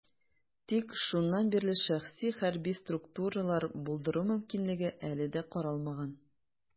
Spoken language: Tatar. Тик шуннан бирле шәхси хәрби структуралар булдыру мөмкинлеге әле дә каралмаган.